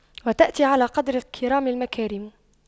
وتأتي على قدر الكرام المكارم